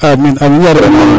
amiin amiin yarabana